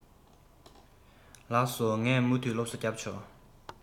ལགས སོ ངས མུ མཐུད སློབ གསོ རྒྱབ ཆོག